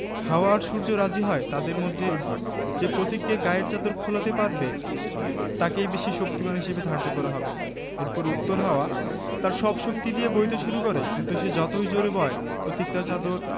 ঈদ অফারে সবাই কাত ৩০০ ফ্রি ফ্রিজে বাজিমাত শীর্ষক ক্যাম্পেইনটি ১ আগস্ট থেকে শুরু হয়ে চলবে মাস জুড়ে